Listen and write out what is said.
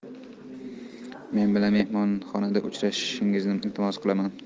men bilan mehmonxonada uchrashingizni iltimos qilaman